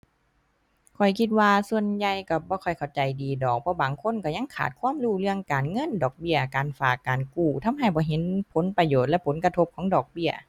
ข้อยคิดว่าส่วนใหญ่ก็บ่ค่อยเข้าใจดีดอก เพราะบางคนก็ยังขาดความรู้เรื่องการเงิน ดอกเบี้ย การฝาก การกู้ ทำให้บ่เห็นผลประโยชน์และผลกระทบของดอกเบี้ย